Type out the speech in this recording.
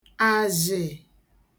àzhị̀